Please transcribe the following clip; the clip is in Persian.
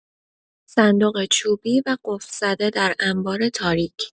صندوق چوبی و قفل‌زده در انبار تاریک